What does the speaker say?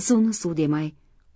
suvni suv demay